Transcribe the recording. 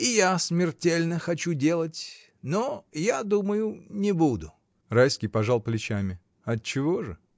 — И я смертельно хочу делать, но — я думаю — не буду. Райский пожал плечами. — Отчего же?